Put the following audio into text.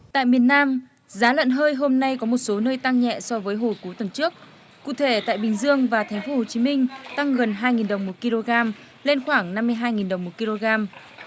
tại miền nam giá lợn hơi hôm nay có một số nơi tăng nhẹ so với hồi cuối tuần trước cụ thể tại bình dương và thành phố hồ chí minh tăng gần hai nghìn đồng một ki lô gam lên khoảng năm mươi hai nghìn đồng một ki lô gam